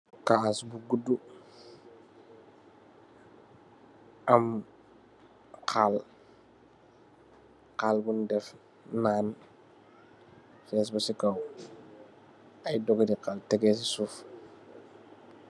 Kaass bu gudu, am haaal, haaal bungh def nan, fess beh cii kaw, aiiy dohgiti haaal tehgeh cii suff.